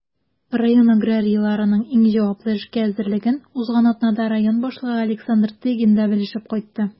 Район аграрийларының иң җаваплы эшкә әзерлеген узган атнада район башлыгы Александр Тыгин да белешеп кайтты.